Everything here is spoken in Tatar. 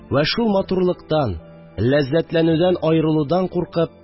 Вә шул матурлыктан, ләззәтләнүдән аерылудан куркып